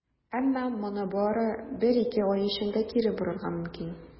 Әмма моны бары бер-ике ай эчендә кире борырга мөмкин.